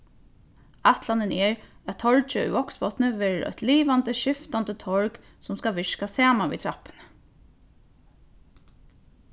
ætlanin er at torgið í vágsbotni verður eitt livandi skiftandi torg sum skal virka saman við trappuni